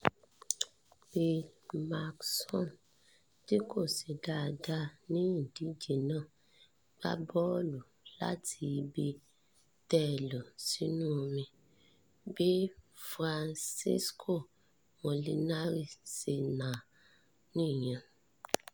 Phil Mickelson, tí kò ṣe dáadáa ní ìdíje náà, gbá bọ́ọ̀lù láti ibi tee lọ sínú omi. Bí Francesco Molinari ṣe nàá nìyẹn.